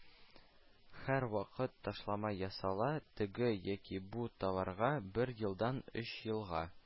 Һәрвакыт ташлама ясала, теге яки бу товарга бер елдан өч елга